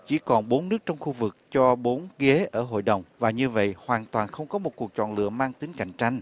chỉ còn bốn nước trong khu vực cho bốn ghế ở hội đồng và như vậy hoàn toàn không có một cuộc chọn lựa mang tính cạnh tranh